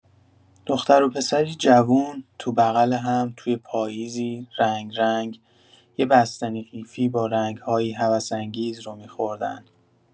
دختر و پسری جوون، تو بغل هم، توی پائیزی رنگ‌رنگ، یه بستنی قیفی با رنگ‌هایی هوس‌انگیز رو می‌خوردن.